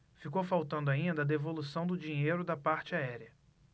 ficou faltando ainda a devolução do dinheiro da parte aérea